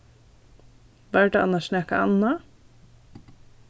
var tað annars nakað annað